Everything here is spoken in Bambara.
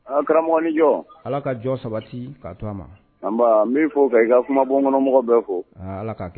A karamɔgɔ ni jɔn, Ala ka jɔ sabati k'a to a ma, anba, n b'i fo ka i ka kumabɔnkɔnɔmɔgɔw bɛɛ fo, aa Ala ka